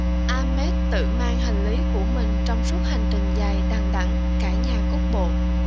ahmed tự mang hành lý của mình trong suốt hành trình dài đằng đẵng cả nhà cuốc bộ